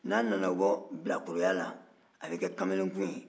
n'a nana bɔ bilakoroya la a bɛ kɛ kamalenkun ye